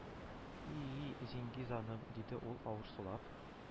– и-и-и, зиңги заным, – диде ул, авыр сулап